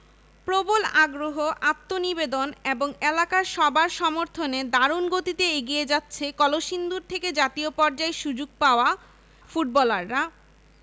প্রবল আগ্রহ আত্মনিবেদন এবং এলাকার সবার সমর্থনে দারুণ গতিতে এগিয়ে যাচ্ছে কলসিন্দুর থেকে জাতীয় পর্যায়ে সুযোগ পাওয়া ফুটবলাররা